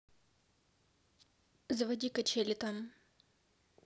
заводи качели там